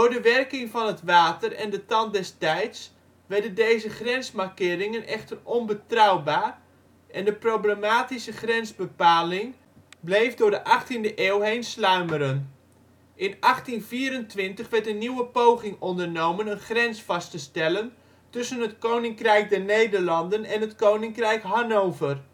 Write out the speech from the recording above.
de werking van het water en de tand des tijds werden deze grensmarkeringen echter onbetrouwbaar en de problematische grensbepaling bleef door de achttiende eeuw heen sluimeren. In 1824 werd een nieuwe poging ondernomen een grens vast te stellen tussen het Koninkrijk der Nederlanden en het Koninkrijk Hannover